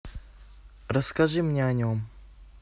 расскажи мне о нем